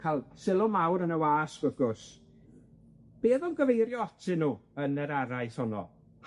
ca'l sylw mawr yn y wasg wrth gwrs, be' o'dd o'n gyfeirio atyn nw yn yr araith honno?